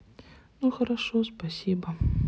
ну хорошо спасибо